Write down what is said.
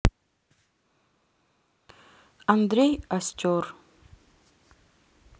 андрей остер